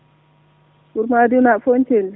wuro Madina naaɓe fo ene celli